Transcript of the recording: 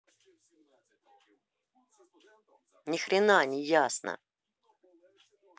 нихрена не ясно